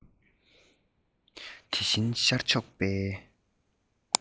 དེ བཞིན ཤར ཕྱོགས པའི